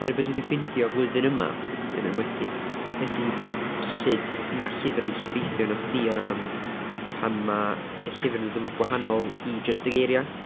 Oherwydd be dwi 'di ffeindio flwyddyn yma, yn enwedig ydy sut mae llyfr yn gallu effeithio arna chdi o ran pan ma' y llyfr yn dod yn wbath gwahanol i jyst y geiriau.